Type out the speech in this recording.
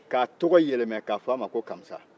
k'a tɔgɔ yɛlɛma k'a fɔ a ma ko kamisa